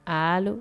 Allo